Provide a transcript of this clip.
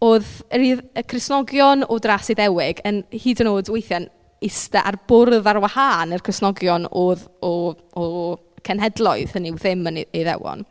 Oedd yr idd- y Cristnogion o dras Iddewig yn hyd yn oed weithiau yn iste ar bwrdd ar wahân i'r Crisnogion oedd o o cenhedloedd, hynny yw ddim yn Iddewon.